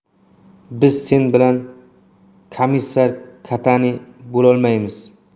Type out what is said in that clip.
biz sen bilan komissar katani bo'lolmaymiz